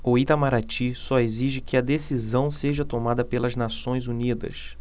o itamaraty só exige que a decisão seja tomada pelas nações unidas